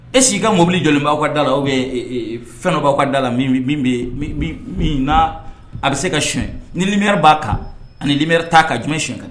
Est que i ka mobile jɔlen b'aw ka da la ou bien fɛn dɔ b'aw ka da la min n'a bɛ se ka soɲɛn ni lumière b'a kan ani lumière t'a kan jumɛn